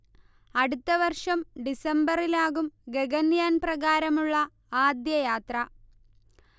അടുത്ത വർഷം ഡിസംബറിലാകും ഗഗൻയാൻ പ്രകാരമുള്ള ആദ്യ യാത്ര